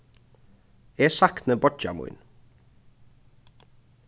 eg sakni beiggja mín